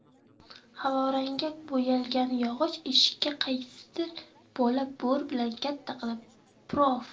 havorangga bo'yalgan yog'och eshikka qaysidir bola bo'r bilan katta qilib prof